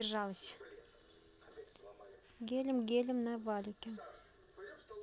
гелим гелим гелим на валике